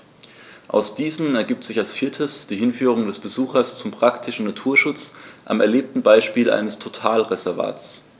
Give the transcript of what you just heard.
Aus diesen ergibt sich als viertes die Hinführung des Besuchers zum praktischen Naturschutz am erlebten Beispiel eines Totalreservats.